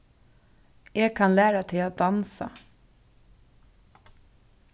eg kann læra teg at dansa